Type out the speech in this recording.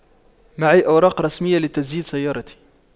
معي أوراق رسمية لتسجيل سيارتي